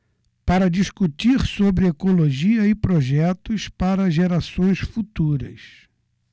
para discutir sobre ecologia e projetos para gerações futuras